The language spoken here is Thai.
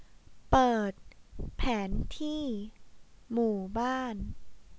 เปิดแผนที่หมู่บ้าน